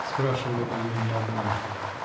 -- спрашивал он ее не однажды.